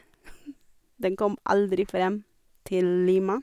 Den kom aldri frem til Lima.